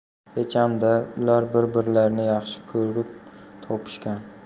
hecham da ular bir birlarini yaxshi ko'rib topishgan